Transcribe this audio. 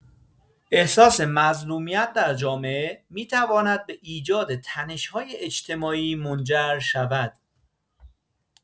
احساس مظلومیت در جامعه می‌تواند به ایجاد تنش‌های اجتماعی منجر شود.